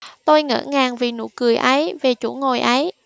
tôi ngỡ ngàng vì nụ cười ấy về chỗ ngồi ấy